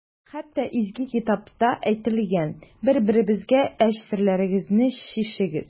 Хәтта Изге китапта да әйтелгән: «Бер-берегезгә эч серләрегезне чишегез».